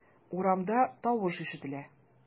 Урамда тавыш ишетелә.